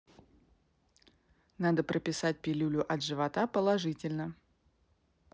надо прописать пилюлю от живота положительно